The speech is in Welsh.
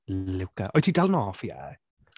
Luca. Wyt ti dal yn hoffi e?